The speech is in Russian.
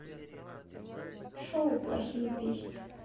шоу плохие песни